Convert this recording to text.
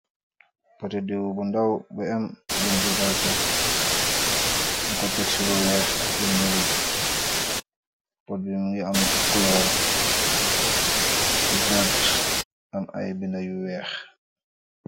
Poti diw bu ndaw ba em bu njuutal tek ñing ko tèk ci lu wèèx ak lu ñuul. Pot bi mu ngi am kulor vert am ay bindé yu wèèx.